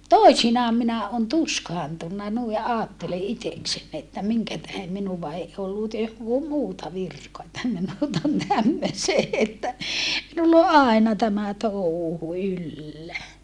toisinaan minä olen tuskaantunut noin ajattelen itsekseni että minkä tähden minua ei ollut muuta virkaa että minut on tämmöiseen että minulla on aina tämä touhu yllä